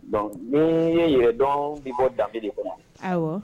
Dɔnku min ye yɛrɛ dɔn bɛ bɔ da de kɔnɔ aw